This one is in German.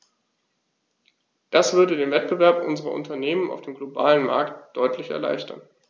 Das würde den Wettbewerb unserer Unternehmen auf dem globalen Markt deutlich erleichtern.